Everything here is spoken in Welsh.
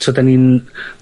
So 'dan ni'n...